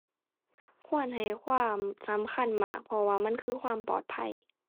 ควรให้ความสำคัญมาก เพราะว่ามันคือความปลอดภัย